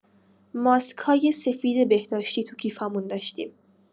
ماسک‌های سفید بهداشتی تو کیف‌هامون داشتیم.